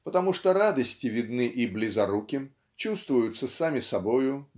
потому что радости видны и близоруким чувствуются сами собою